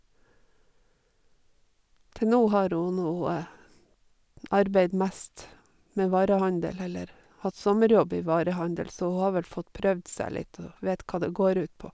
Til nå har hun nå arbeidd mest med varehandel, eller hatt sommerjobb i varehandel, så hun har vel fått prøvd seg litt og vet hva det går ut på.